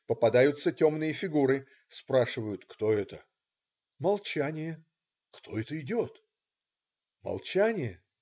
Попадаются темные фигуры, спрашивает: "Кто это?" - Молчание. - "Кто это идет?"- Молчание.